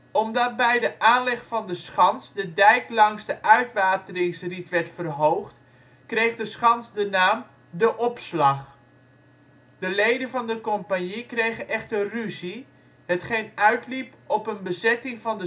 Omdat bij de aanleg van de schans de dijk langs de uitwateringsriet werd verhoogd, kreeg de schans de naam “De Opslag” (of De Opslach). De leden van de compagnie kregen echter ruzie, hetgeen uitliep op een bezetting van